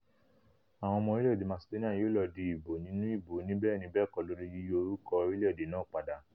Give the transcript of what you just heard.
Àwọn ọmọ orílẹ̀-èdè Masidóníà yóò lọ di ìbò nínú ìbò oníbẹẹni-bẹẹkọ lóri yíyí orúkọ orílẹ̀-èdè náà padà.